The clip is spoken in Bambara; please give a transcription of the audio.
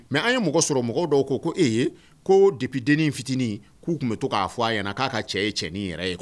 Mɛ an ye mɔgɔ sɔrɔ mɔgɔw dɔw ko ko e ye ko depdenin fitinin k'u tun bɛ to k'a fɔ a ye na k'a ka cɛ ye cɛnin yɛrɛ ye